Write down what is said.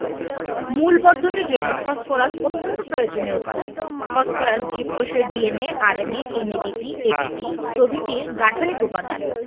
মূল বর্ধনের জন্য ফসফরাস অত্যন্ত প্রয়োজনীয় উপাদান ফসফরাস জীবকোষের DNA RNA NADP ATP প্রভৃতির গাঠনিক উপাদান